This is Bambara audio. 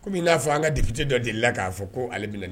Kɔmi min n'a fɔ an ka dikiti dɔ deli la k'a fɔ koale bɛna